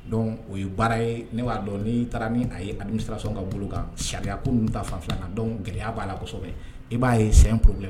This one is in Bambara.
Dɔn o ye baara ye ne b'a dɔn n'i taara min a ye a bɛ siran sɔn ka bolo kan sariya ko minnu ta fan la dɔn gɛlɛya b'a la kɔsɛbɛ i b'a ye sen kun la